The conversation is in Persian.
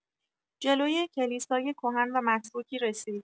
جلوی کلیسای کهن و متروکی رسید.